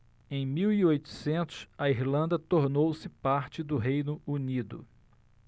em mil e oitocentos a irlanda tornou-se parte do reino unido